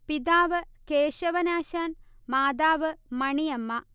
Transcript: പിതാവ് കേശവൻ ആശാൻ മാതാവ് മണി അമ്മ